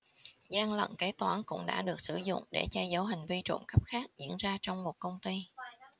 gian lận kế toán cũng đã được sử dụng để che giấu hành vi trộm cắp khác diễn ra trong một công ty